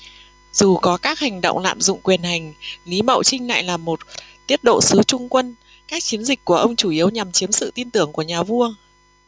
dù có các hành động lạm dụng quyền hành lý mậu trinh lại là một tiết độ sứ trung quân các chiến dịch của ông chủ yếu nhằm chiếm sự tin tưởng của nhà vua